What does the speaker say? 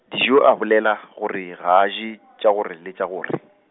Dijo a bolela gore ga a je, tša gore le tša gore.